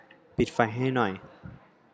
ปิดไฟให้หน่อย